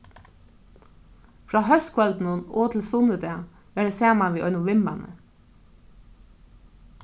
frá hóskvøldinum og til sunnudag var eg saman við einum vinmanni